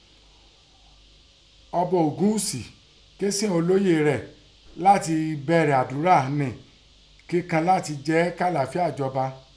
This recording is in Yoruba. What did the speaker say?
Ọba Ògúnùsì ké sí ighọn olóyè rẹ̀ láti bẹ̀rẹ̀ àdọ́rà nẹ́ kíkan láti jẹ́ kàlááfíà jọba.